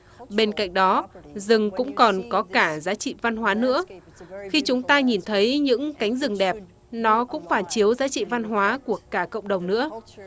bên cạnh đó rừng cũng còn có cả giá trị văn hóa nữa khi chúng ta nhìn thấy những cánh rừng đẹp nó cũng phản chiếu giá trị văn hóa của cả cộng đồng nữa